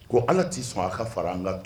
Ko ala t'i sɔn a ka fara an la